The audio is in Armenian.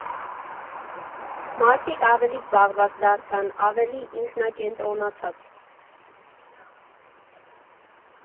Մարդիկ ավելի զբաղված դարձան, ավելի ինքնակենտրոնացած։